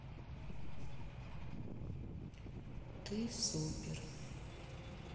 ты супер